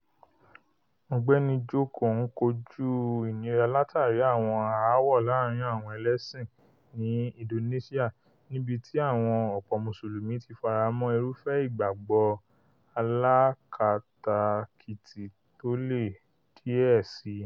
Ọ̀gbẹ́ni Joko ń kóju ìnira látàrí àwọn aáwọ̀ láàrin àwọn ẹlẹ́sìn ní Indonesia, níbití àwọn ọ̀pọ̀ Mùsùlùmí ti faramọ́ irúfẹ́ ìgbàgbọ́ alákatakíti tóle díẹ̀ síi.